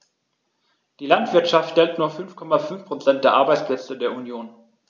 Die Landwirtschaft stellt nur 5,5 % der Arbeitsplätze der Union.